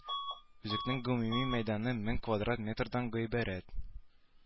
Үзәкнең гомуми мәйданы мең квадрат метрдан гыйбарәт